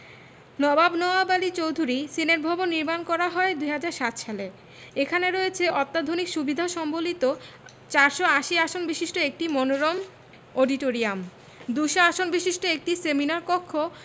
নবাব নওয়াব আলী চৌধুরী সিনেটভবন নির্মাণ করা হয় ২০০৭ সালে এখানে রয়েছে অত্যাধুনিক সুবিধা সম্বলিত ৪৮০ আসন বিশিষ্ট একটি মনোরম অডিটোরিয়াম ২০০ আসন বিশিষ্ট একটি সেমিনার কক্ষ